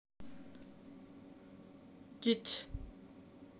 death